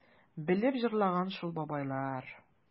Белеп җырлаган шул бабайлар...